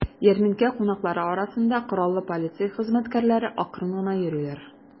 Ярминкә кунаклары арасында кораллы полиция хезмәткәрләре акрын гына йөриләр.